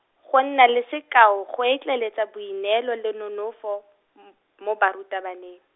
go nna le sekao go etleletsa boineelo le nonofo, m- mo barutabaneng.